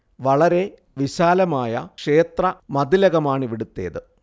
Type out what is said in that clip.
വളരെ വിശാലമായ ക്ഷേത്ര മതിലകമാണിവിടുത്തേത്